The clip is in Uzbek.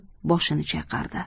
boshini chayqardi